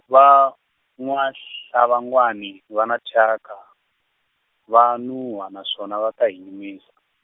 va, N'wa-Hlabangwani va na thyaka, va nunhwa naswona va ta hi nyumisa.